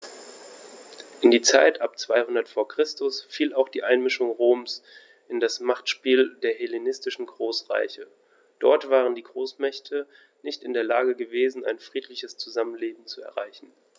In die Zeit ab 200 v. Chr. fiel auch die Einmischung Roms in das Machtspiel der hellenistischen Großreiche: Dort waren die Großmächte nicht in der Lage gewesen, ein friedliches Zusammenleben zu erreichen.